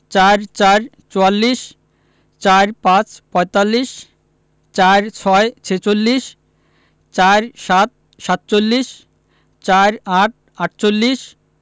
৪৪ – চুয়াল্লিশ ৪৫ - পঁয়তাল্লিশ ৪৬ - ছেচল্লিশ ৪৭ - সাতচল্লিশ ৪৮ -আটচল্লিশ